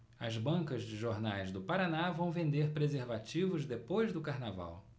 as bancas de jornais do paraná vão vender preservativos depois do carnaval